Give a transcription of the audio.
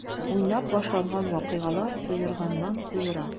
Уйнап башланган вакыйгалар куерганнан-куера.